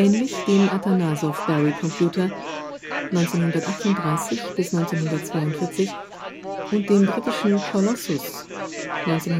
Ähnlich dem Atanasoff-Berry-Computer (1938 – 1942) und dem Britischen Colossus (1943